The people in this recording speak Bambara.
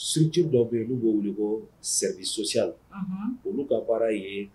Structure dɔ be ye n'u b'o wele koo service social unhun olu ka baara ye